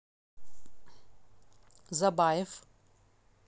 забаев